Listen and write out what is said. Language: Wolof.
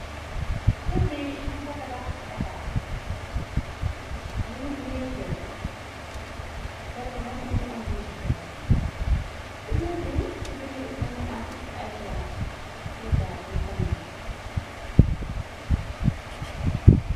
kërr bi ñyung fa tabax etaas ni ngi miir kër binag më ngi am bunt kër ci miir bi ci biti më ngi am ay garab yu gaatyi fa nekk.